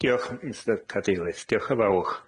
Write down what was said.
Diolch Mistyr Cadeirydd, diolch yn fawr.